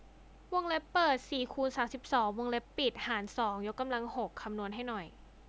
วงเล็บเปิดสี่คูณสามสิบสองวงเล็บปิดหารสองยกกำลังหกคำนวณให้หน่อย